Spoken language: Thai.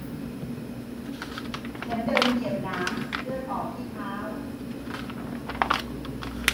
ฉันเดินเหยียบหนามเลือดออกที่เท้า